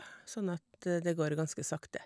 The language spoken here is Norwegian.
Sånn at det går ganske sakte.